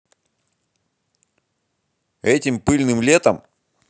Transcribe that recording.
этим пыльным летом